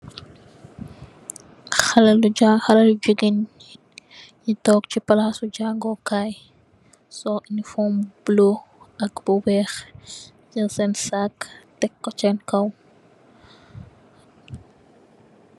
Xale xale jigeen, nu tog ci palaso jangokaay sol unifom bulo ak bu weex jel sen sac tekko sen kaw.